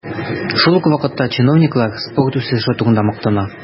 Шул ук вакытта чиновниклар спорт үсеше турында мактана.